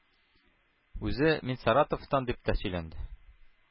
Үзе: “Мин Саратовтан”, – дип тә сөйләнде.